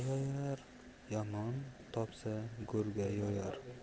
yomon topsa go'rga yoyar